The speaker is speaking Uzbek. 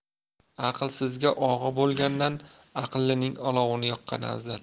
aqlsizga og'a bo'lgandan aqllining olovini yoqqan afzal